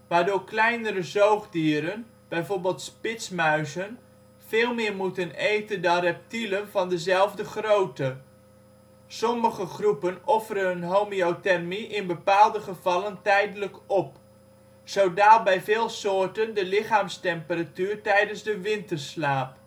waardoor kleinere zoogdieren (bijvoorbeeld spitsmuizen) veel meer moeten eten dan reptielen van dezelfde grootte. Sommige groepen offeren hun homeothermie in bepaalde gevallen tijdelijk op. Zo daalt bij veel soorten de lichaamstemperatuur tijdens de winterslaap